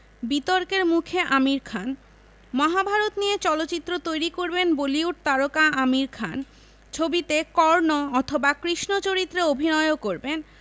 বিতর্কের মুখে আমির খান মহাভারত নিয়ে চলচ্চিত্র তৈরি করবেন বলিউড তারকা আমির খান ছবিতে কর্ণ অথবা কৃষ্ণ চরিত্রে অভিনয়ও করবেন